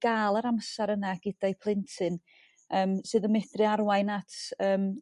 ga'l yr amser yna gyda'u plentyn yrm sydd yn medru arwain at yrm